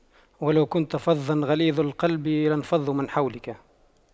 وَلَو كُنتَ فَظًّا غَلِيظَ القَلبِ لاَنفَضُّواْ مِن حَولِكَ